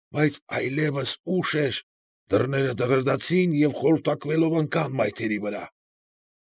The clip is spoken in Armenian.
Բայց այլևս ուշ էր։ Դռները դղրդացին և խորտակվելով ընկան մայթերի վրա։